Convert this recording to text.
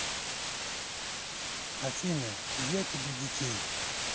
афина я тебе детей